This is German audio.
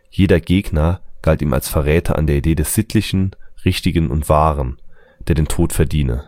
Jeder Gegner galt ihm als Verräter an der Idee des Sittlichen, Richtigen und Wahren, der den Tod verdiene